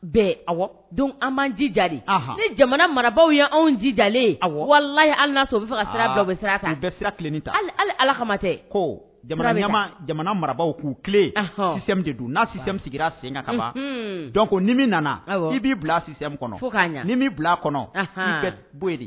Bɛɛ aw an jija ni jamana marabagaw ye anw jijalen walala ala sɔrɔ u bɛ fɛ ka sira bila bɛ kan bɛɛ sira ta ala kama tɛ ko jamana bɛya jamana mara k'u tilen de dun n'simu sigira sen ka kama dɔn ko ni min nana bi b'i bilasi kɔnɔ ni min bila a kɔnɔ bɛ bɔ yen